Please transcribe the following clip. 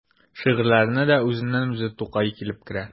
Шигырьләренә дә үзеннән-үзе Тукай килеп керә.